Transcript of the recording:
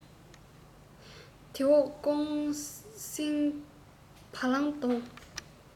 དེ འོག ཀོང སྲིང བ ལང དོང